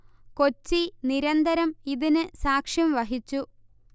കൊച്ചി നിരന്തരം ഇതിന് സാക്ഷ്യം വഹിച്ചു